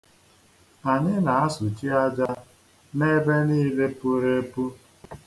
Anyị na-asụchi aja ebe niile puru epu.